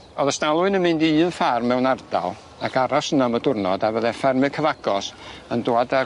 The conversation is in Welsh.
Odd y stalwyn yn mynd i un ffarm mewn ardal ac aros 'na am y diwrnod a fydde ffermie cyfagos yn dwad â